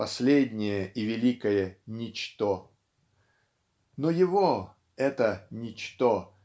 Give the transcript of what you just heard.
последнее и великое Ничто! Но его это Ничто